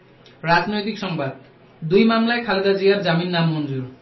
রাজনৈতিক সংবাদ দুই মামলায় খালেদা জিয়ার জামিন নামঞ্জুর